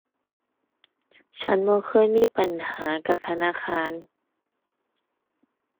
ฉันบ่เคยมีปัญหากับธนาคาร